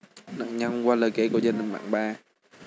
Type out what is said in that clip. nạn nhân qua lời kể của gia đình bạn bè